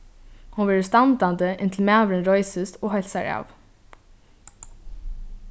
hon verður standandi inntil maðurin reisist og heilsar av